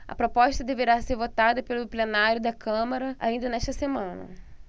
a proposta deverá ser votada pelo plenário da câmara ainda nesta semana